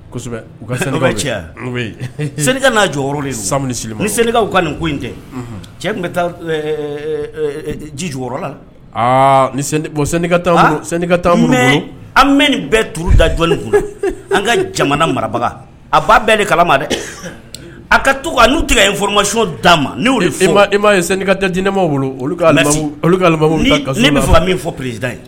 U ka cɛ senka n'a jɔyɔrɔ de sa sigilen ni sɛnɛkaww ka nin ko in tɛ cɛ tun bɛ taa ji ju la bɔnkaka an mɛn nin bɛɛ tuuru da jɔlen kɔnɔ an ka jamana marabaga a ba bɛɛ de kala ma dɛ a ka to n'u tigɛ yen fmas'a ma'a ye sanka dant ne ma wolo olu ka n bɛ fa min fɔ pereirida ye